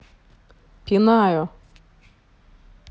пинаю